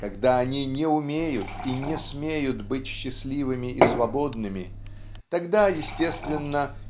когда они не умеют и не смеют быть счастливыми и свободными тогда естественно